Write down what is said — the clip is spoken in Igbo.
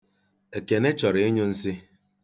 Ekene chọrọ ịnyụ nsị.